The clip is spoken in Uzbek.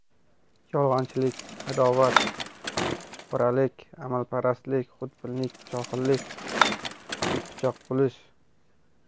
yolg'onchilik adovat ichqoralik amalparastlik xudbinlik johillik qiypichoq bo'lish